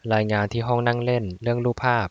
รายงานที่ห้องนั่งเล่นเรื่องรูปภาพ